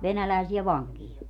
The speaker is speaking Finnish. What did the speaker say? venäläisiä vankeja